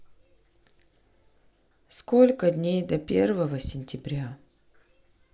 сколько дней до первого сентября